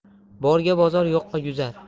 borga bozor yo'qqa guzar